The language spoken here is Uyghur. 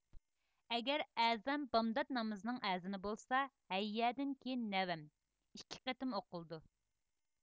ئەگەر ئەزان بامدات نامىزىنىڭ ئەزىنى بولسا ھەييە دىن كېيىن نەۋم ئىككى قېتىم ئوقۇلىدۇ